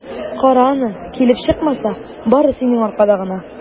Кара аны, килеп чыкмаса, бары синең аркада гына!